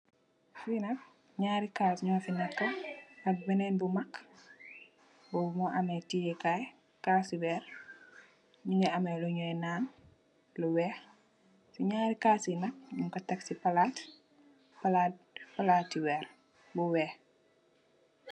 Fi nak naari cassi nyuu fi neka ak benne bu mag bobu mu ameey tieyi kai, cassi veer mungi amme lu nuu naan lu weex, ci naari cassi nak nuu ko tekk ci palat, palati weeri bu weex.